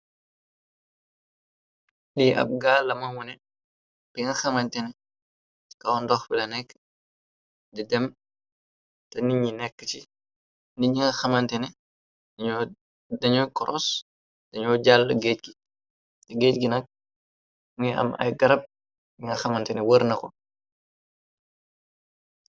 Lii ab gaal lama mone bi nga xamantene ci kaw ndox bi la nekk di dem te ni ñi nekk ci nit ñi nga xamante ne dañooy koros dañoo jàll te géej gi nag mungiy am ay garab binga xamantene wër nako.